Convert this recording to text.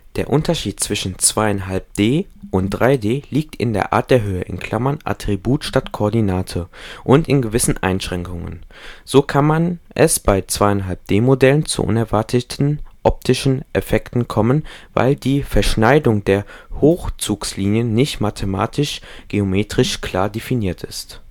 Der Unterschied zwischen 2½-D und 3-D liegt in der Art der Höhe (Attribut statt Koordinate) und in gewissen Einschränkungen. So kann es bei 2½D-Modellen zu unerwarteten optischen Effekten kommen, weil die Verschneidung der Hochzugslinien nicht mathematisch-geometrisch klar definiert ist